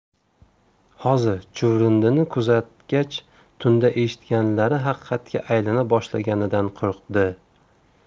hozir chuvrindini kuzatgach tunda eshitganlari haqiqatga aylana boshlaganidan qo'rqdi